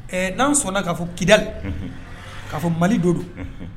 N'an sɔnna'a fɔ kidali k'a fɔ mali do do